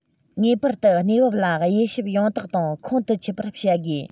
ངེས པར དུ གནས བབ ལ དབྱེ ཞིབ ཡང དག དང ཁོང དུ ཆུད པར བྱ དགོས